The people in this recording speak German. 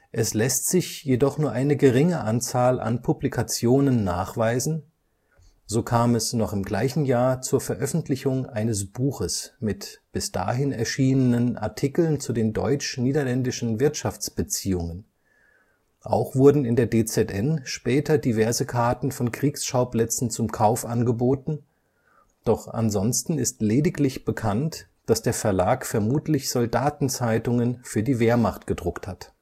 Es lässt sich jedoch nur eine geringe Anzahl an Publikationen nachweisen, so kam es noch im gleichen Jahr zur Veröffentlichung eines Buches mit bis dahin erschienenen Artikeln zu den deutsch-niederländischen Wirtschaftsbeziehungen, auch wurden in der DZN später diverse Karten von Kriegsschauplätzen zum Kauf angeboten, doch ansonsten ist lediglich bekannt, dass der Verlag vermutlich Soldatenzeitungen für die Wehrmacht gedruckt hat